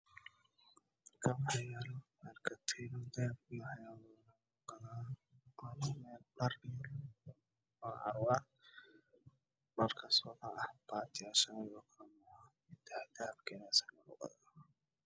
Meeshan waa dukaan waxaa lagu iibinayaa borsooyin dumar ka waxa ay saaranyihiin iska faallo